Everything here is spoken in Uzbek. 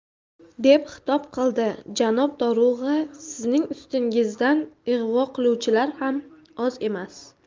deb xitob qildi janob dorug'a sizning ustingizdan ig'vo qiluvchilar ham oz emas